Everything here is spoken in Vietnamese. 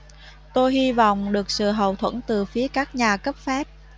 tôi hi vọng được sự hậu thuẫn từ phía các nhà cấp phép